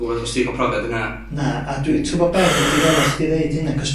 gwbod os ti 'di ca'l profiad yna. Na, a dwi... T'bod be' ma'n diddorol chdi ddeud hyn achos